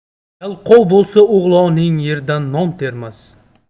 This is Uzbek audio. yalqov bo'lsa o'g'loning yerdan non termas